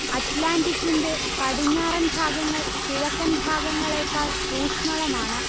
അറ്റ്ലാന്റിക്കിന്റെ പടിഞ്ഞാറൻ ഭാഗങ്ങൾ കിഴക്കൻ ഭാഗങ്ങളേക്കാൾ ഊഷ്മളമാണ്